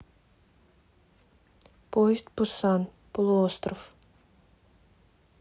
поезд пусан полуостров